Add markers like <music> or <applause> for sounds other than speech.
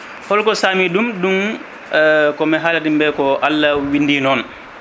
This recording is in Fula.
holko sangi ɗum ɗum <hesitation> komi haalat yimɓeɓe ko Allah windi noon